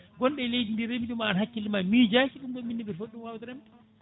gonno e leydi ndi reemi ɗum an hakkille ma miijaki ɗumɗo minne mbiɗa footi ɗum wawde remde